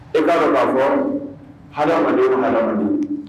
I k'a dɔn fɔ halidama nana